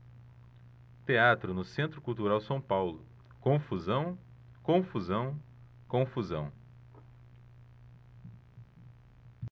teatro no centro cultural são paulo confusão confusão confusão